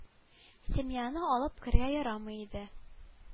Семьяны алып керергә ярамый иде